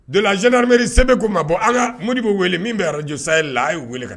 De la gendarmerie CB ko n ma bon an ka modibo weele, min bɛ radio sahel la, a y'o weele ka na.